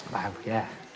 Waw ie.